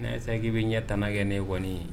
Nsa k'i bɛ ɲɛ tanana kɛ ne nkɔni ye